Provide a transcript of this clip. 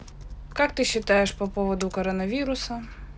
как ты считаешь по поводу коронавируса